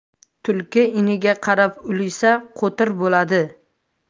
tulki iniga qarab ulisa qo'tir bo'ladi